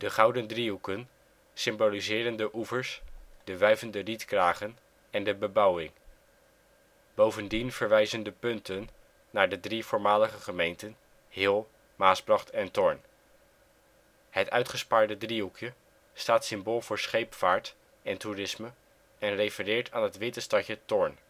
gouden driehoeken symboliseren de oevers, de wuivende rietkragen en de bebouwing. Bovendien verwijzen de punten naar de drie voormalige gemeenten (Heel, Maasbracht en Thorn). Het uitgespaarde driehoekje staat symbool voor scheepvaart en toerisme en refereert aan het witte stadje Thorn